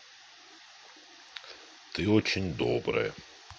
ты очень добрая